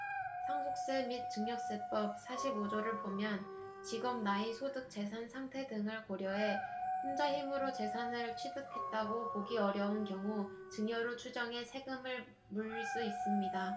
상속세 및 증여세법 사십 오 조를 보면 직업 나이 소득 재산 상태 등을 고려해 혼자 힘으로 재산을 취득했다고 보기 어려운 경우 증여로 추정해 세금을 물릴 수 있습니다